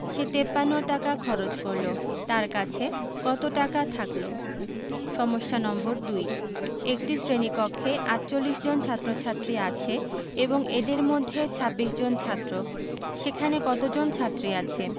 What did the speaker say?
সে ৫৩ টাকা খরচ করল তার কাছে কত টাকা থাকল সমস্যা নম্বর ২ একটি শ্রেণি কক্ষে ৪৮ জন ছাত্ৰ-ছাত্ৰী আছে এবং এদের মধ্যে ২৬ জন ছাত্র সেখানে কতজন ছাত্রী আছে